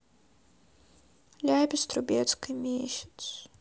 ляпис трубецкой месяц